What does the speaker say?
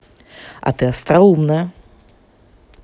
а ты остроумная